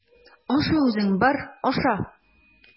Аша үзең, бар, аша!